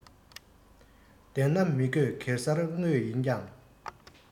འདན ན མི དགོས གེ སར དངོས ཡིན ཀྱང